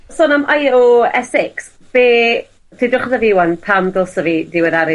Sôn am eye oh es six be' dedwch wrtha fi ŵan pam dylse fi diweddaru